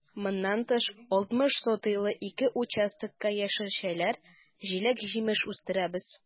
Моннан тыш, 60 сотыйлы ике участокта яшелчәләр, җиләк-җимеш үстерәбез.